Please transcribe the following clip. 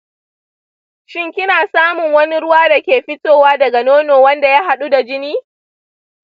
shin kina samun wani ruwa da ke fitowa daga nono wanda ya haɗu da jini?